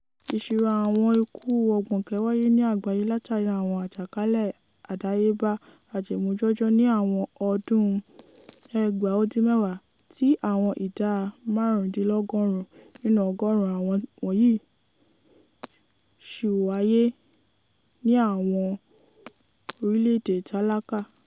Ìṣirò àwọn ikú 600,000 wáyé ní àgbáyé látààrí àwọn àjàkálẹ̀ àdáyébá ajèmójú-ọjọ́ ní àwọn ọdún 1990 tí àwọn ìdá 95 nínú ọgọ́rùn-ún àwọn wọ̀nyìí ṣì wáyé ní àwọn orílẹ̀-èdè tálákà.